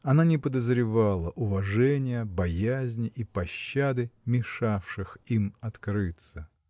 Она не подозревала уважения, боязни и пощады, мешавших им открыться.